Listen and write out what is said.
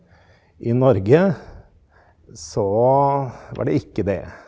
i Norge så var det ikke det.